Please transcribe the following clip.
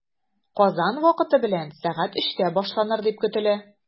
Казан вакыты белән сәгать өчтә башланыр дип көтелә.